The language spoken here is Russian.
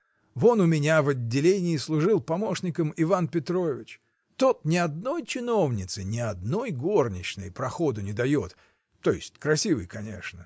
Вон у меня в отделении служил помощником Иван Петрович: тот ни одной чиновнице, ни одной горничной проходу не дает, то есть красивой, конечно.